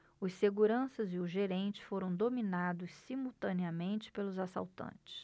os seguranças e o gerente foram dominados simultaneamente pelos assaltantes